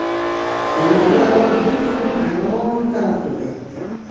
ro'molli ayol bir zum hayron qarab turdi